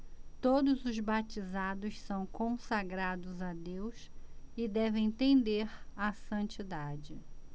todos os batizados são consagrados a deus e devem tender à santidade